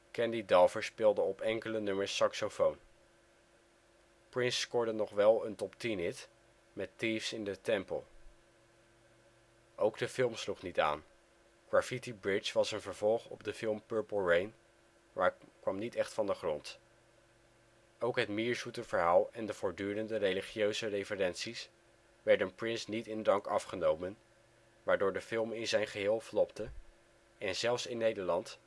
Candy Dulfer speelt op enkele nummers saxofoon. Prince scoorde nog wel een top 10-hit met Thieves in the Temple (nl: #5). Ook de film zelf sloeg niet aan. Graffiti Bridge was een vervolg op de film Purple Rain, maar kwam niet echt van de grond. Ook het mierzoete verhaal en de voortdurende religieuze referenties werden Prince niet in dank afgenomen, waardoor de film in zijn geheel flopte en zelfs in Nederland